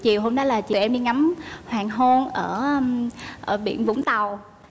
chiều hôm đó là tụi em đi ngắm hoàng hôn ở ở biển vũng tàu